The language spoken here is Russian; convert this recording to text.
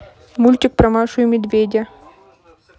мультик про машу и медведя